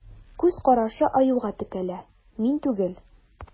Күз карашы Аюга текәлә: мин түгел.